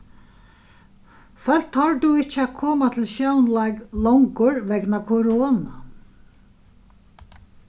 fólk tordu ikki at koma til sjónleik longur vegna korona